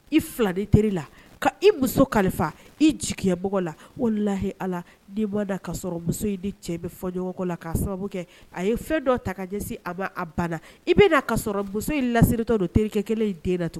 I filani teri la ka i muso kalifa i jigiyamɔgɔ la walahi Ala n'i mana k'a sɔrɔ muso in ni cɛ be fɔɲɔgɔnkɔ la k'a sababu kɛ a ye fɛn dɔ ta ka ɲɛsin a ma a banna i bena k'a sɔrɔ muso in laseretɔ don terikɛ 1 in den na tug